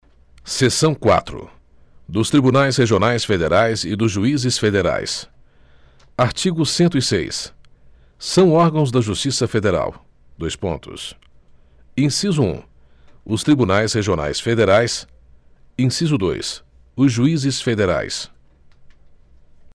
seção quatro dos tribunais regionais federais e dos juízes federais artigo cento e seis são órgãos da justiça federal dois pontos inciso um os tribunais regionais federais inciso dois os juízes federais